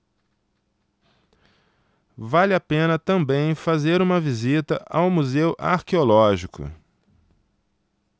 vale a pena também fazer uma visita ao museu arqueológico